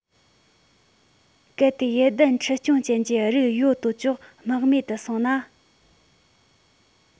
གལ ཏེ ཡུ ལྡན འཁྲིལ རྐྱང ཅན གྱི རིགས ཡོད དོ ཅོག རྨེག མེད དུ སོང ན